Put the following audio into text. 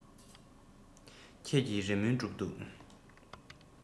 ཁྱེད ཀྱི རེ སྨོན སྒྲུབ འདུག